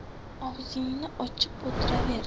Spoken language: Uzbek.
og'zingni ochib o'tiraver